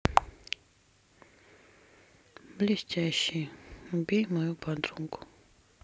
блестящие убей мою подругу